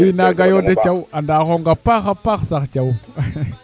i naaga yo de Thiaw andaxonga paax a paax sax Thiaw